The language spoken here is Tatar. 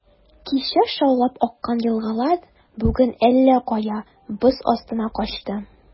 Кичә шаулап аккан елгалар бүген әллә кая, боз астына качты.